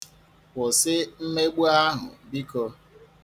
Kwụsị mmegbu ahụ, biko.